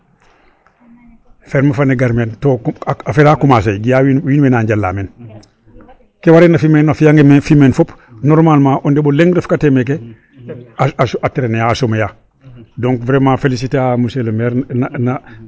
Ferme fene gar meen to ku a fela commencer ga'aa wiin we naa njalaa meen ke wareena fi' meen a fi'ange meen fop normalement o ndeɓo leŋ refkatee meeke a trainer a chommer a donc vraiment féliciter monsieur le maire.